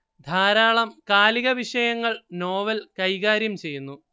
ധാരാളം കാലിക വിഷയങ്ങൾ നോവൽ കൈകാര്യം ചെയ്യുന്നു